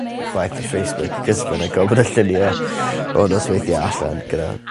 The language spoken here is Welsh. chwaith ar Facebook 'c'os ma' 'na gormod o llunie o nosweithie allan gyda